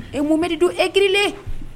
Imbri don ekiirilen